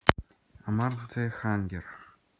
amaranthe hunger